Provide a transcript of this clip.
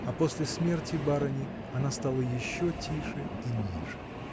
а после смерти барыни она стала еще тише и ниже.